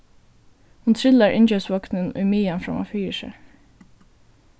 hon trillar innkeypsvognin ímeðan framman fyri sær